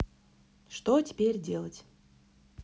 что теперь делать